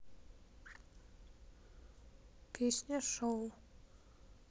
песня show